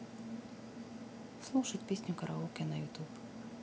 слушать песню караоке на ютуб